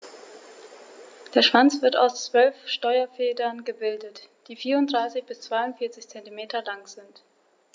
Der Schwanz wird aus 12 Steuerfedern gebildet, die 34 bis 42 cm lang sind.